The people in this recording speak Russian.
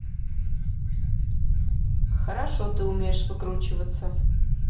хорошо ты умеешь выкручиваться